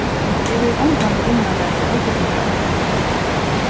eg verði ongantíð ummælari til orgultónleik